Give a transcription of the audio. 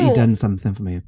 He done something for me.